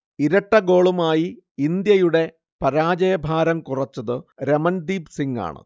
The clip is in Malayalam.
ഇരട്ടഗോളുമായി ഇന്ത്യയുടെ പരാജയഭാരം കുറച്ചത് രമൺദീപ് സിങ്ങാണ്